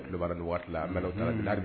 Waati